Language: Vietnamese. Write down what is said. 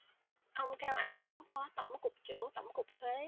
ông cao anh tuấn phó tổng cục trưởng tổng cục thuế